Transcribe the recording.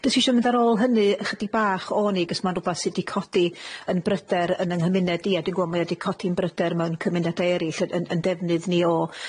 Jyst isio mynd ar ôl hynny ychydig bach o'n i, c'us ma'n rwbath sy' 'di codi yn bryder yn yng nghymuned i, a dwi'n gw'o' mae o 'di codi'n bryder mewn cymunede erill, 'yn 'yn 'yn defnydd ni o